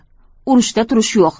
urushda turish yo'q